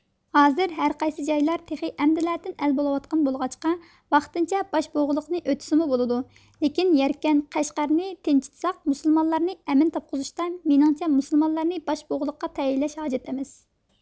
ھازىر ھەرقايسى جايلار تېخى ئەمدىلىكتىن ئەل بولۇۋاتقان بولغاچقا ۋاقتىنچە باشبۇغىلىقنى ئۆتىسىمۇ بولىدۇ لېكىن يەركەن قەشقەرنى تىنجىتساق مۇسۇلمانلارنى ئەمىن تاپقۇزۇشتا مېنىڭچە مۇسۇلمانلارنى باشبۇغلىققا تەيىنلەش ھاجەت ئەمەس